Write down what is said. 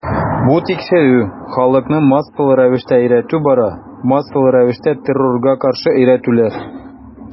Бу тикшерү, халыкны массалы рәвештә өйрәтү бара, массалы рәвештә террорга каршы өйрәтүләр.